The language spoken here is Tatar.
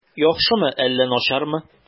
Яхшымы әллә начармы?